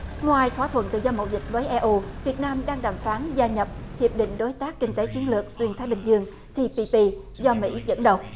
ngoài thỏa thuận tự do mậu dịch với e u việt nam đang đàm phán gia nhập hiệp định đối tác kinh tế chiến lược xuyên thái bình dương si đi pi do mỹ dẫn đầu